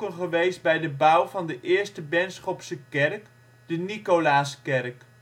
geweest bij de bouw van de eerste Benschopse kerk, de Nicolaaskerk